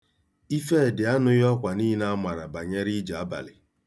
Ifedị anụghị ọkwa niile a mara banyere ije abalị.